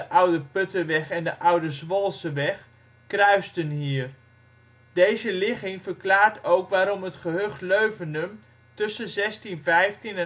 Oude Putterweg en Oude Zwolseweg) kruisten hier. Deze ligging verklaart ook waarom het gehucht Leuvenum tussen 1615 en 1830 een